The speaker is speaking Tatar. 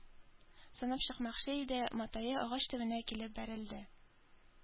Санап чыкмакчы иде, матае агач төбенә килеп бәрелде.